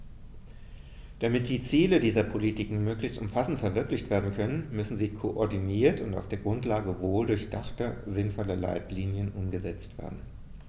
Damit die Ziele dieser Politiken möglichst umfassend verwirklicht werden können, müssen sie koordiniert und auf der Grundlage wohldurchdachter, sinnvoller Leitlinien umgesetzt werden.